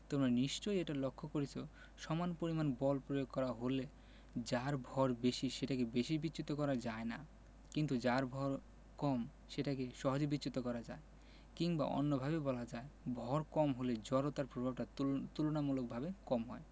তোমরা নিশ্চয়ই এটা লক্ষ করেছ সমান পরিমাণ বল প্রয়োগ করা হলে যার ভর বেশি সেটাকে বেশি বিচ্যুত করা যায় না কিন্তু যার ভয় কম সেটাকে সহজে বিচ্যুত করা যায় কিংবা অন্যভাবে বলা যায় ভর কম হলে জড়তার প্রভাবটা তুলনামূলকভাবে কম হয়